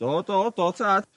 Do do do tad.